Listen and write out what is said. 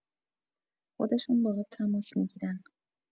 خودشون باهات تماس می‌گیرن